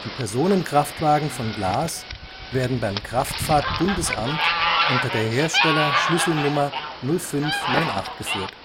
Personenkraftwagen von Glas werden beim Kraftfahrt-Bundesamt unter der Herstellerschlüsselnummer 0598 geführt